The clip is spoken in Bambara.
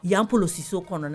Yan'an p si kɔnɔna